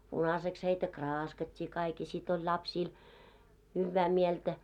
punaiseksi heitä kraaskattiin kaikki ja sitten oli lapsilla hyvää mieltä